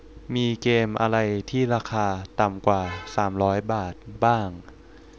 มีเกมอะไรที่ราคาต่ำกว่าสามร้อยบาทบ้าง